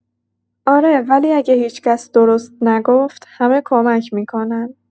آره، ولی اگه هیچ‌کس درست نگفت، همه کمک می‌کنن.